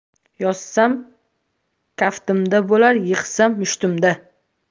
yozsam kaftimda bo'lar yig'sam mushtumda